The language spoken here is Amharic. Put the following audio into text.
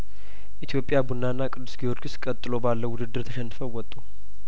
ኢትዮጵያቡናና ቅዱስ ጊዮርጊስ ቀጥሎ ባለው ውድድር ተሸንፈው ወጡ